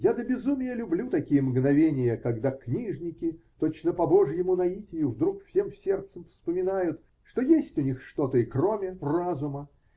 Я до безумия люблю такие мгновения, когда книжники, точно по Божиему наитию, вдруг всем сердцем вспоминают, что есть у них что-то и кроме разума.